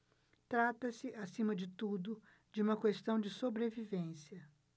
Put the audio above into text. trata-se acima de tudo de uma questão de sobrevivência